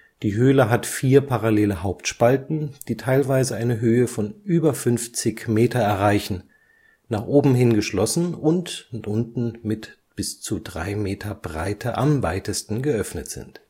Die Höhle hat vier parallele Hauptspalten, die teilweise eine Höhe von über 50 Meter erreichen, nach oben hin geschlossen und unten mit bis zu drei Meter Breite am weitesten geöffnet sind